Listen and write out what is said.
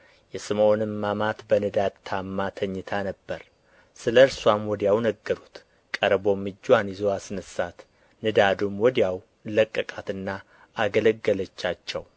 የስምዖንም አማት በንዳድ ታማ ተኝታ ነበር ስለ እርስዋም ወዲያው ነገሩት ቀርቦም እጅዋን ይዞ አስነሣት ንዳዱም ወዲያው ለቀቃትና አገለገለቻቸው